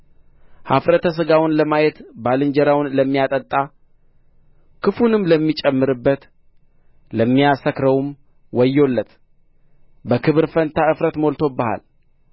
ኀፍረተ ሥጋውን ለማየት ባልንጀራውን ለሚያጠጣ ክፉንም ለሚጨምርበት ለሚያሰክረውም ወዮለት በክብር ፋንታ እፍረት ሞልቶብሃል